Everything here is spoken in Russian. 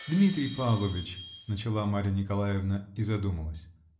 -- Дмитрий Павлович, -- начала Марья Николаевна -- и задумалась .